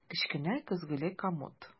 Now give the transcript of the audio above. Кечкенә көзгеле комод.